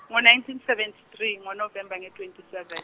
ngo- nineteen seventy three, ngo- November ngeyi- twenty seven.